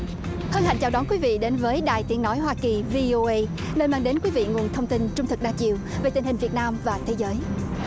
hân hạnh chào đón quý vị đến với đài tiếng nói hoa kỳ vi ô ây luôn mang đến quý vị nguồn thông tin trung thực đa chiều về tình hình việt nam và thế giới